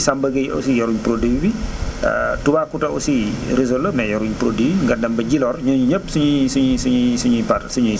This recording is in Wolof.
samba Gueye aussi yoruñ produit bi Toubacouta aussi réseau la mais yoruñ produit nga dem ba Djilor ñooñu ñëpp suñuy suñuy suñuy suñuy suñuy par suñuy